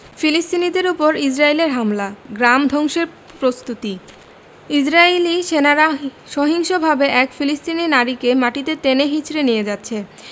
ফিলিস্তিনিদের ওপর ইসরাইলের হামলা গ্রাম ধ্বংসের প্রস্তুতি ইসরাইলী সেনারা সহিংসভাবে এক ফিলিস্তিনি নারীকে মাটিতে টেনে হেঁচড়ে নিয়ে যাচ্ছে